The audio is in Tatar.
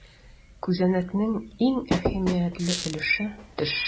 Күзәнәкнең иң әһәмиятле өлеше - төш.